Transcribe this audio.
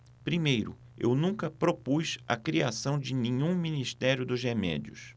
primeiro eu nunca propus a criação de nenhum ministério dos remédios